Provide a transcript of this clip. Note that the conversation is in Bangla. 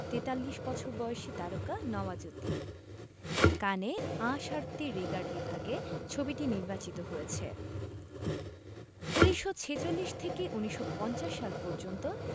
৪৩ বছর বয়সী তারকা নওয়াজুদ্দিন কানে আঁ সারতে রিগার বিভাগে ছবিটি নির্বাচিত হয়েছে ১৯৪৬ থেকে ১৯৫০ সাল পর্যন্ত